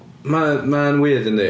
Ma'n... Ma'n weird yndi...